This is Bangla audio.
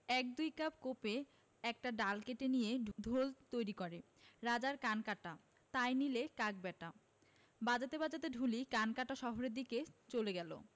এক দুই কাপ কোপে একটা ডাল কেটে নিয়ে ঢোল তৈরি করে ‘রাজার কান কাটা তাই নিলে কাক ব্যাটা বাজাতে বাজাতে ঢুলি কানকাটা শহরের দিকে চলে গেল